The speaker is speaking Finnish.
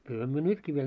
kyllähän me nytkin vielä